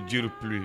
Jiritu ye